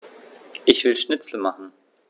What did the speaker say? Ich will Schnitzel machen.